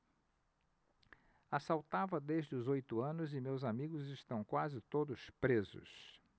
assaltava desde os oito anos e meus amigos estão quase todos presos